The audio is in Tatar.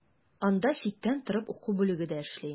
Анда читтән торып уку бүлеге дә эшли.